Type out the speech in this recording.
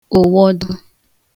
ụ̀wọdụ